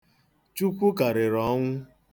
Chukwu karịrị onwụ.